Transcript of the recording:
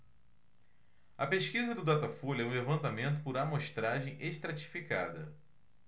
a pesquisa do datafolha é um levantamento por amostragem estratificada